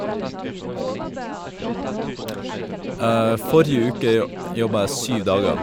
Forrige uke jo jobba jeg syv dager.